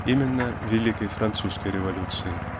именно -- великой французской революции).